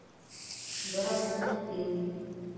Бераз өстим.